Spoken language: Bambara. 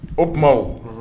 O tuma o